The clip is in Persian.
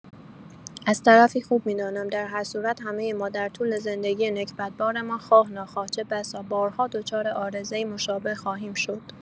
از طرفی خوب می‌دانم در هر صورت همۀ ما در طول زندگی نکبت بارمان خواه‌ناخواه چه‌بسا بارها دچار عارضه‌ای مشابه خواهیم شد.